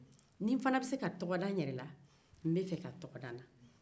ni na fana bɛ se ka tɔgɔ da n yɛrɛ la n bɛ tɔgɔ da